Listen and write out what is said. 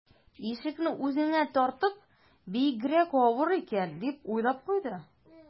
Ишекне үзенә тартып: «Бигрәк авыр икән...», - дип уйлап куйды